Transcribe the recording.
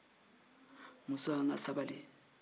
musow an ka sabali